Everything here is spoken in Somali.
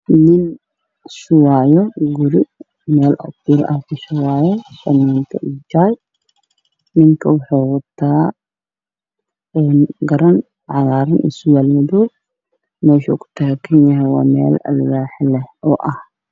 Waa guri dhismo ku socda in ay kor saaran al waa ca dushiisa oo shabeello ku shubay guriga